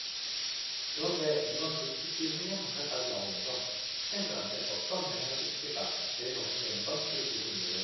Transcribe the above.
그런데 이번 급식비 횡령 감사까지 나오면서 학생들한테 어떤 영향을 끼칠까 제일 걱정되는 건 그 부분이에요